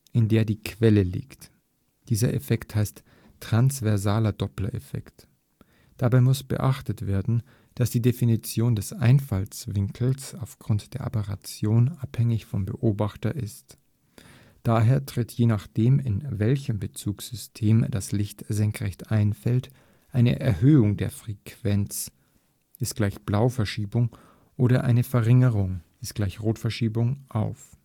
in der die Quelle liegt. Dieser Effekt heißt transversaler Dopplereffekt. Dabei muss beachtet werden, dass die Definition des Einfallwinkels aufgrund der Aberration abhängig vom Beobachter ist. Daher tritt je nachdem, in welchem Bezugsystem das Licht senkrecht einfällt, eine Erhöhung der Frequenz (Blauverschiebung) oder eine Verringerung (Rotverschiebung) auf